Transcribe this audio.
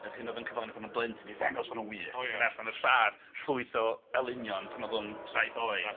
Yr hyn oedd o'n cyflawni pan oedd o'n blentyn, i ddangos bod o'n wych... O ia... Oedd o'n mynd allan a lladd llwyth o elynion pan oedd o'n saith oed.